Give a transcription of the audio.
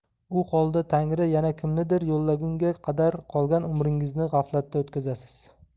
u holda tangri yana kimnidir yo'llagunga qadar qolgan umringizni g'aflatda o'tkazasiz